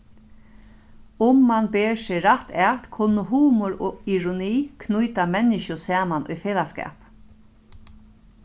um mann ber seg rætt at kunnu humor og ironi knýta menniskju saman í felagsskap